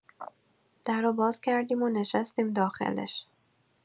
در و باز کردیم و نشستیم داخلش.